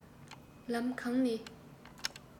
ལམ གང ནས